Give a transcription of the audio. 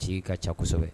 K i ka ca kosɛbɛ